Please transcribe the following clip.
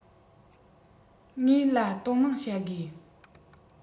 ངའི ལ དོ སྣང བྱ དགོས